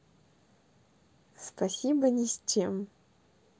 спасибо ни с чем